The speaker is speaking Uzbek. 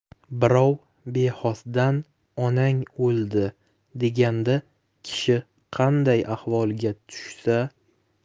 birov bexosdan onang o'ldi deganda kishi qanday ahvolga tushsa